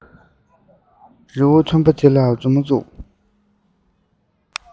རི བོ མཐོན པོ དེ ལ མཛུབ མོ བཙུགས